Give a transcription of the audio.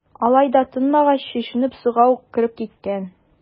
Алай да тынмагач, чишенеп, суга ук кереп киткән.